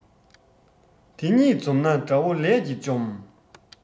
དེ གཉིས འཛོམས ན དགྲ བོ ལས ཀྱིས འཇོམས